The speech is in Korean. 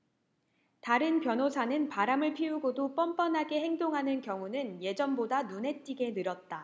다른 변호사는 바람을 피우고도 뻔뻔하게 행동하는 경우는 예전보다 눈에 띄게 늘었다